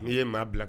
N'i ye maa bila kɛ